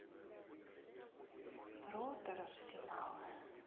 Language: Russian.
ротор арсенал